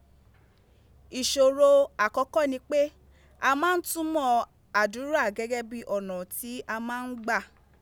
Isoro akoko ni pe, a ma n tumo adura gege bi ona ti a ma n gba